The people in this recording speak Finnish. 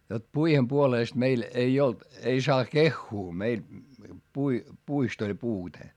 jotta puiden puolesta meillä ei ollut ei saa kehua meillä - puista oli puute